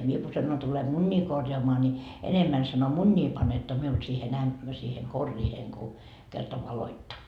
minä kun sanon tule munia korjaamaan niin enemmän sanoi munia panette minulle siihen - siihen koriin kun kerta valoitte